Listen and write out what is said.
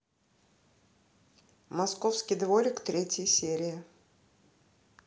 московский дворик третья серия